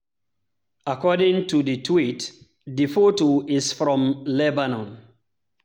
According to the tweet, the photo is from Lebanon.